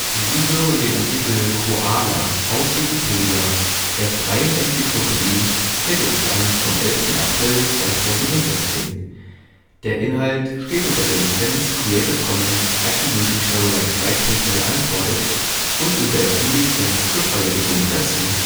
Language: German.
Sie hören den Artikel Koala, aus Wikipedia, der freien Enzyklopädie. Mit dem Stand vom Der Inhalt steht unter der Lizenz Creative Commons Attribution Share Alike 3 Punkt 0 Unported und unter der GNU Lizenz für freie Dokumentation